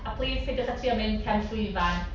A plis peidiwch â trio mynd cefn llwyfan.